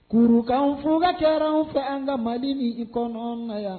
Kurukanf ka kɛra an fɛ an ka mali ni i kɔnɔ na yan